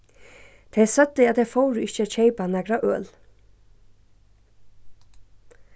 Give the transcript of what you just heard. tey søgdu at tey fóru ikki at keypa nakra øl